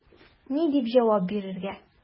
Ни дип җавап бирергә?